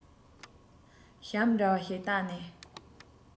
ཞབས འདྲ བ ཞིག བཏགས ནས